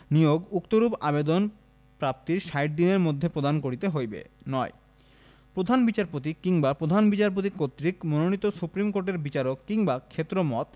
নিয়োগ উক্তরূপ আবেদন প্রাপ্তির ষাট দিনের মধ্যে প্রদান করিতে হইবে ৯ প্রধান বিচারপতি কিংবা প্রধান বিচারপাতি কর্তৃক মনোনীত সুপ্রীম কোর্টের বিচারক কিংবা ক্ষেত্রমত